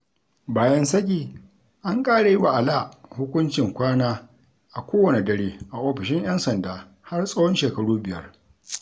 Bayan saki, an ƙara yi wa Alaa hukuncin kwana a kowane dare a ofishin 'yan sanda har tsawon "shekaru biyar".